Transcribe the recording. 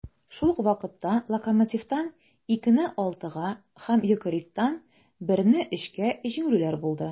Шул ук вакытта "Локомотив"тан (2:6) һәм "Йокерит"тан (1:3) җиңелүләр булды.